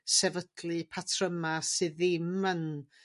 sefydlu patryma sydd ddim yn